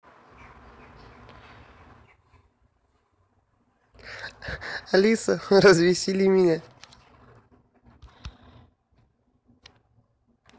алиса развесели меня